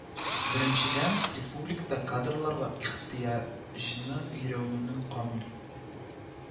Беренчедән, республикада кадрларга ихтыяҗны өйрәнүнең камил